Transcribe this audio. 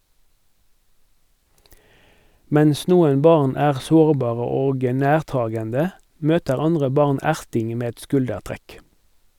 Mens noen barn er sårbare og nærtagende, møter andre barn erting med et skuldertrekk.